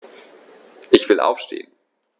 Ich will aufstehen.